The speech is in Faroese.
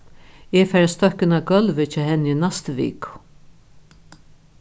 eg fari at støkka inn á gólvið hjá henni í næstu viku